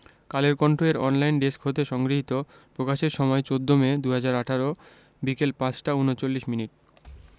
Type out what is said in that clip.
কালের কণ্ঠ এর অনলাইনে ডেস্ক হতে সংগৃহীত প্রকাশের সময় ১৪মে ২০১৮ বিকেল ৫টা ৩৯ মিনিট